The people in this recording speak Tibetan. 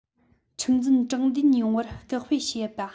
ཁྲིམས འཛིན དྲང བདེན ཡོང བར སྐུལ སྤེལ བྱེད པ